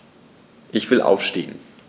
Ich will aufstehen.